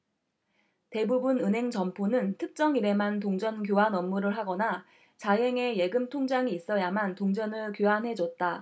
대부분 은행 점포는 특정일에만 동전 교환 업무를 하거나 자행의 예금통장이 있어야만 동전을 교환해줬다